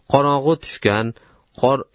qorong'i tushgan